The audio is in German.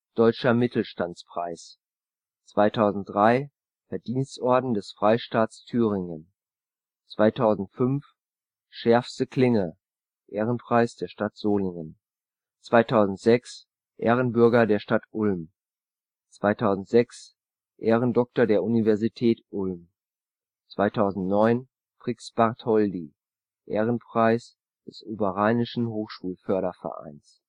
Deutscher Mittelstandspreis 2003 – Verdienstorden des Freistaats Thüringen 2005 − Schärfste Klinge (Ehrenpreis der Stadt Solingen) 2006 – Ehrenbürger der Stadt Ulm 2006 – Ehrendoktor der Universität Ulm 2009 – Prix Bartholdi (Ehrenpreis des oberrheinischen Hochschul-Fördervereins